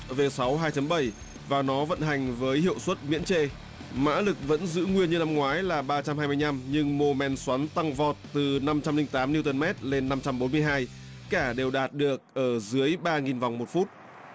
vi sáu hai chấm bảy và nó vận hành với hiệu suất miễn chê mã lực vẫn giữ nguyên như năm ngoái là ba trăm hai mươi nhăm nhưng mô men xoắn tăng vọt từ năm trăm linh tám niu tơn mét lên năm trăm bốn mươi hai cả đều đạt được ở dưới ba nghìn vòng một phút